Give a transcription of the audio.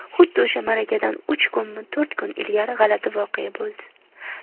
xuddi o'sha marakadan uch kunmi to'rt kun ilgari g'alati voqea bo'ldi